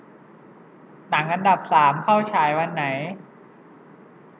หนังอันดับสามเข้าฉายวันไหน